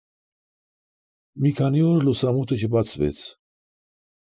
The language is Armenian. Մի քանի օր լուսամուտը չբացվեց։